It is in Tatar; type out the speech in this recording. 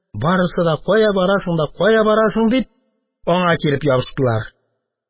Барысы да, «Кая барасың?» да «Кая барасың?» дип, аңа килеп ябыштылар.